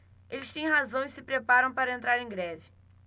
eles têm razão e se preparam para entrar em greve